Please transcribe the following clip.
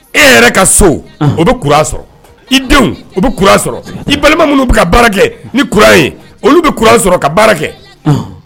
E yɛrɛ ka so o bɛ sɔrɔ i denw u bɛ sɔrɔ i balima minnu bɛ ka baara kɛ ni ye olu bɛ sɔrɔ ka baara kɛ